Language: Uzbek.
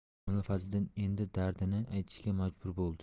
mulla fazliddin endi dardini aytishga majbur bo'ldi